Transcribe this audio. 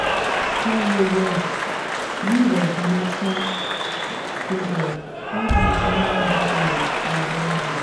Kanye West's use of Jamaican symbols sparks national dialogue on ‘branding’